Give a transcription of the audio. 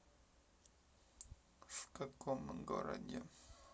в каком городе